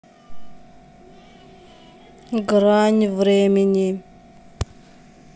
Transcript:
грань времени